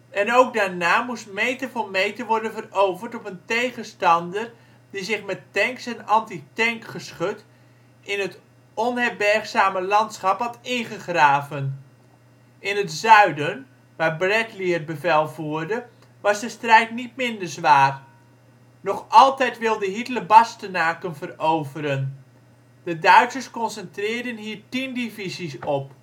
En ook daarna moest meter voor meter worden veroverd op een tegenstander die zich met tanks en antitankgeschut in het onherbergzame landschap had ingegraven. In het zuiden (waar Bradley het bevel voerde) was de strijd niet minder zwaar. Nog altijd wilde Hitler Bastenaken veroveren. De Duitsers concentreerden hier tien divisies op